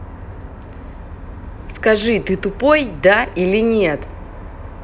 скажи ты тупой да или нет